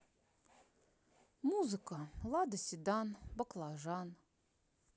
музыка лада седан баклажан